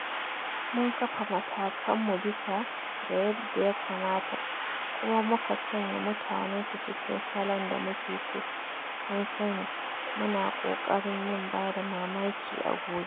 Mun kafa matakanmu bisa ga yadda ya kamata kuma muka sanya mutanen su cikin salon da muke so, kun sani, mu na ƙoƙarin yin bada mamaki a gobe. "